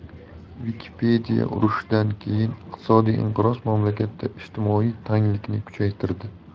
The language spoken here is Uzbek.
wikipedia urushdan keyingi iqtisodiy inqiroz mamlakatda ijtimoiy tanglikni kuchaytirdi